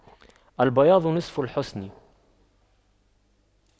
البياض نصف الحسن